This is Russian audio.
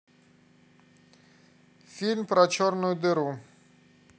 фильм про черную дыру